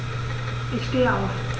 Ich stehe auf.